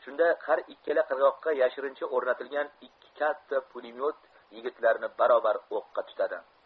shunda har ikkala qirg'oqqa yashirincha o'matilgan ikki katta pulemyot yigitlarni barobar o'qqa tutadi